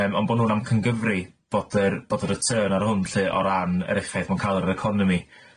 Yym ond bo' nw'n amcangyfri bod yr bod yr y return ar hwn lly o ran yr effaith ma'n ca'l yr economi